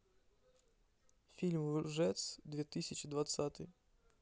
фильм лжец две тысячи двадцатый